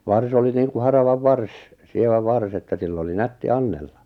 varsi oli niin kuin haravan varsi sievä varsi että sillä oli nätti annella